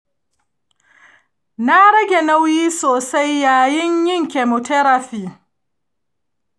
na rage nauyi sosai yayin yin chemotherapy.